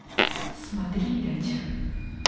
смотри блять